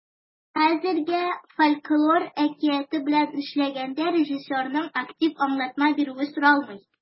Ә хәзергә фольклор әкияте белән эшләгәндә режиссерның актив аңлатма бирүе соралмый.